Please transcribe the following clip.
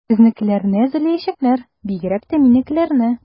Безнекеләрне эзәрлекләячәкләр, бигрәк тә минекеләрне.